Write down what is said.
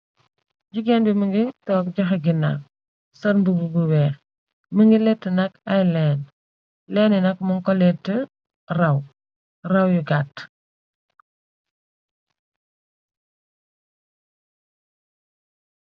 Jigéen bi më ngi togg joxe ganaaw, sol mbubu gu weex, më ngi lettu nak ay leen, leeni nak mun ko lette raw, raw yu gàtt.